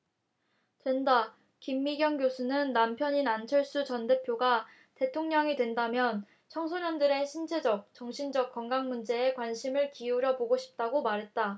된다 김미경 교수는 남편인 안철수 전 대표가 대통령이 된다면 청소년들의 신체적 정신적 건강 문제에 관심을 기울여 보고 싶다고 말했다